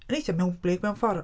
Mae'n eitha mewnblyg mewn ffordd.